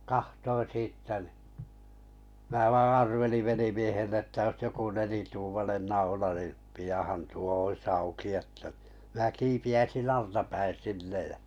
katsoin siitä niin minä vain arvelin velimiehelle että olisi joku nelituumainen naula niin pianhan tuo olisi auki että niin minä kiipeäisin altapäin sinne ja